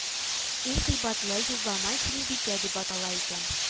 Иң кыйбатлы юллама Сөембикә дип атала икән